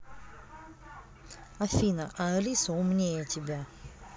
афина а алиса умнее тебя